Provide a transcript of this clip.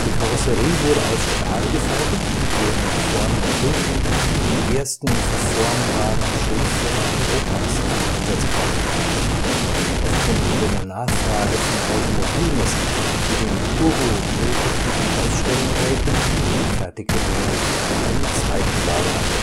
Karosserie wurde aus Stahl gefertigt, während vorne und hinten die ersten verformbaren Stoßfänger Europas zum Einsatz kamen. Aufgrund großer Nachfrage von Automobilmessen, die den Turbo-Prototypen ausstellen wollten, fertigte BMW einen zweiten Wagen an